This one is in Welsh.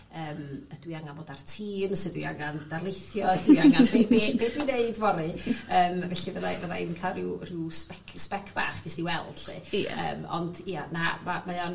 yym ydw i angan bod ar Teams ydw i angan darlithio ydw i angan be' be' be' dwi'n neud fory? Yym felly bydda i byddai yn cael ryw rhyw sbec sbec bach jyst i weld 'lly. Ia. Yym ond ia na ma' mae o'n